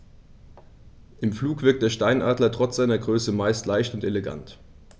Im Flug wirkt der Steinadler trotz seiner Größe meist sehr leicht und elegant.